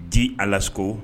Di ala sago